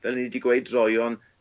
fel 'yn ni 'di gweud droeon